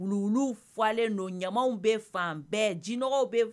Wulu falen don ɲamaw bɛ fan bɛɛ jinɛɔgɔw bɛ